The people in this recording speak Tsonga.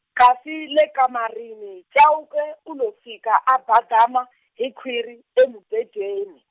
kasi le kamarini Chauke u lo fika a badama, hi khwiri, emubedweni.